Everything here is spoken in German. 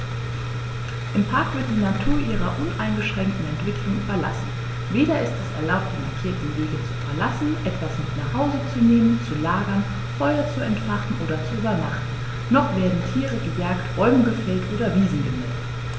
Im Park wird die Natur ihrer uneingeschränkten Entwicklung überlassen; weder ist es erlaubt, die markierten Wege zu verlassen, etwas mit nach Hause zu nehmen, zu lagern, Feuer zu entfachen und zu übernachten, noch werden Tiere gejagt, Bäume gefällt oder Wiesen gemäht.